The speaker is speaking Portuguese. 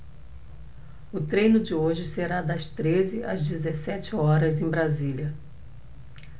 o treino de hoje será das treze às dezessete horas em brasília